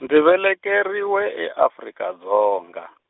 ndzi velekiwe e- Afrika Dzonga.